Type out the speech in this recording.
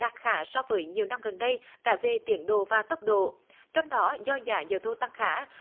đạt khá so với nhiều năm gần đây cả về tiến độ và tốc độ trong đó do giá dầu thô tăng khá